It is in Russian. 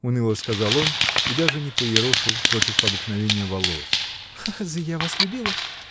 — уныло сказал он и даже не поерошил, против обыкновения, волос. — А разве я вас любила?